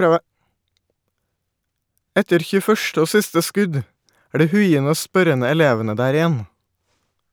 Etter 21. og siste skudd er de huiende og spørrende elevene der igjen.